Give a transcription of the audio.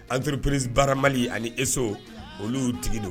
Entreprise Baara Mali ani Eso oluw tigi don